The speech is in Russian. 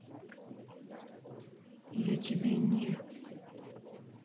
я тебе не